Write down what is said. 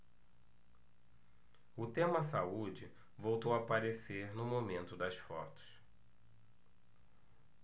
o tema saúde voltou a aparecer no momento das fotos